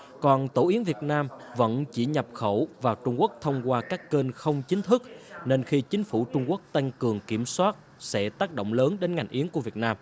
còn tổ yến việt nam vẫn chỉ nhập khẩu vào trung quốc thông qua các kênh không chính thức nên khi chính phủ trung quốc tăng cường kiểm soát sẽ tác động lớn đến ngành yến của việt nam